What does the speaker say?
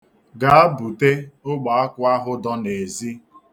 Gaa bute ogbeakwụ ahụ dọ n'ezi.